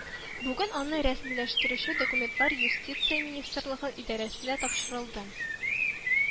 Бүген аны рәсмиләштерүче документлар Юстиция министрлыгының идарәсенә тапшырылды